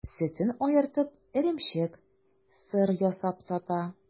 Сөтен аертып, эремчек, сыр ясап сата.